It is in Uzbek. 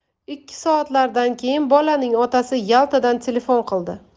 ikki soatlardan keyin bolaning otasi yaltadan telefon qildi